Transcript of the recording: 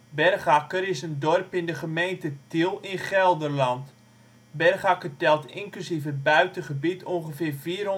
Bergakker is een dorp in de gemeente Tiel in Gelderland. Bergakker telt inclusief het buitengebied ongeveer